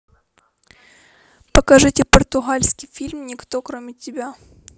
покажите португальский фильм никто кроме тебя